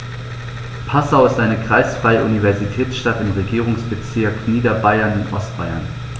Passau ist eine kreisfreie Universitätsstadt im Regierungsbezirk Niederbayern in Ostbayern.